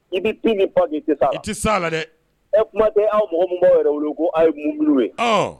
I bɛ ni fa ni tɛ sa i tɛ sa la dɛ e kumaden aw mɔgɔ mɔgɔw yɛrɛ wolo ko aw ye munmuru ye